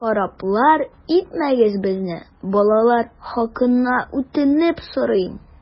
Хараплар итмәгез безне, балалар хакына үтенеп сорыйм!